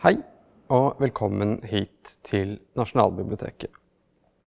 hei, og velkommen hit til Nasjonalbiblioteket.